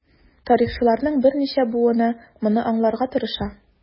Тарихчыларның берничә буыны моны аңларга тырыша.